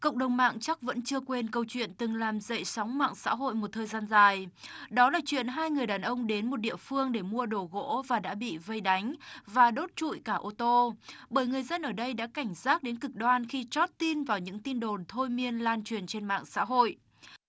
cộng đồng mạng chắc vẫn chưa quên câu chuyện từng làm dậy sóng mạng xã hội một thời gian dài đó là chuyện hai người đàn ông đến một địa phương để mua đồ gỗ và đã bị vây đánh và đốt trụi cả ôtô bởi người dân ở đây đã cảnh giác đến cực đoan khi trót tin vào những tin đồn thôi miên lan truyền trên mạng xã hội